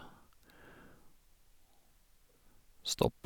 Stopp.